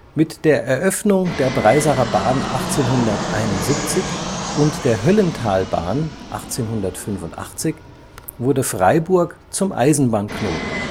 Mit der Eröffnung der Breisacher Bahn 1871 und der Höllentalbahn 1885 wurde Freiburg zum Eisenbahnknoten